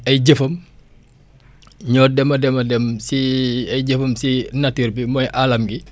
ay jëfam ñoo dem a dem si ay jëfam si nature bi mooy alam gi